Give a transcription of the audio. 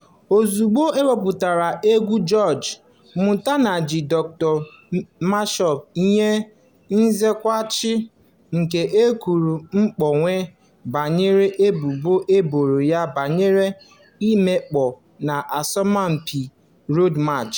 Ozugbo e wepụtasịrị egwu George, Montano ji "Dr. Mashup" nye nzaghachi , nke o kwuru kpọmkwem banyere ebubo e boro ya banyere ime mpụ n'asọmpị Road March.